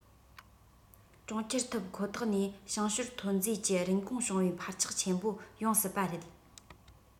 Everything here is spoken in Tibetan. གྲོང ཁྱེར ཐུབ ཁོ ཐག ནས ཞིང ཞོར ཐོན རྫས ཀྱི རིན གོང བྱུང བའི འཕར ཆག ཆེན པོ ཡོང སྲིད པ རེད